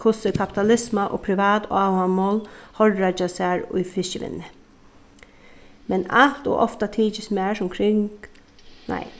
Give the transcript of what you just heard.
hvussu kapitalisma og privat hóreiggja sær í fiskivinnuni men alt ov ofta tykist mær sum nei